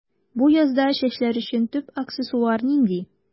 Бу язда чәчләр өчен төп аксессуар нинди?